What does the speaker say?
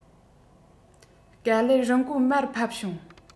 ག ལེར རིན གོང མར ཕབ བྱུང